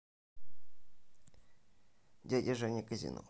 дядя женя казино